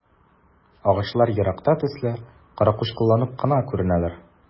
Агачлар еракта төсле каракучкылланып кына күренәләр.